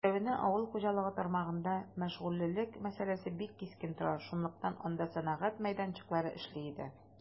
Өстәвенә, авыл хуҗалыгы тармагында мәшгульлек мәсьәләсе бик кискен тора, шунлыктан анда сәнәгать мәйданчыклары эшли дә.